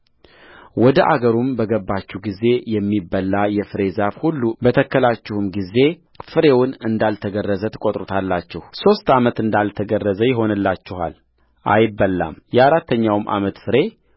ወደ አገሩም በገባችሁ ጊዜ የሚበላ የፍሬ ዛፍ ሁሉ በተከላችሁም ጊዜ ፍሬውን እንዳልተገረዘ ትቈጥሩታላችሁ ሦስት ዓመት እንዳልተገረዘ ይሆንላችኋል አይበላምየአራተኛውም ዓመት ፍሬ